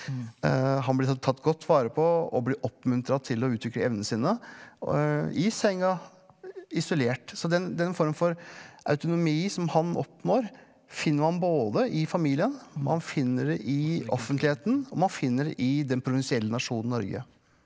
han blir tatt godt vare på og blir oppmuntra til å utvikle evnene sine i senga isolert, så den den form for autonomi som han oppnår finner man både i familien, man finner det i offentligheten og man finner det i den provinsielle nasjonen Norge.